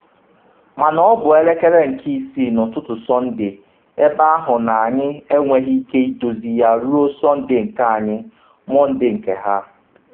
“Mana ọ bụ elekere nke isii n’ụtụtụ Sọnde ebe ahụ na anyị enweghị ike idozi ya ruo Sọnde nke anyị, Mọnde nke ha.